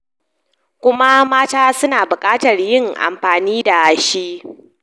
Kuma Mata Su na Buƙatar Yin Amfani Da Shi.